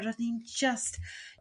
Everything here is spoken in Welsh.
rydyn ni jyst